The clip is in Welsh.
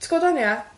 Ti gweld waniath?